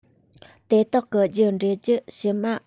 དེ དག གི རྒྱུད འདྲེས རྒྱུད ཕྱི མ ཅིའི ཕྱིར ཧ ལམ རྒྱུད པ སྤེལ མི ཐུབ པ ཡིན ལ